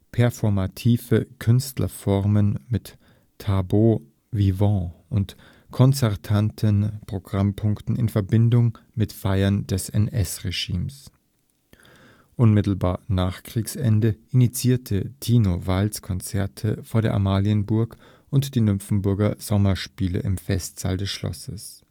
performative Kunstformen mit Tableaux vivants und konzertanten Programmpunkten in Verbindung mit Feiern des NS-Regimes. Unmittelbar nach Kriegsende initiierte Tino Walz Konzerte vor der Amalienburg und die „ Nymphenburger Sommerspiele “im Festsaal des Schlosses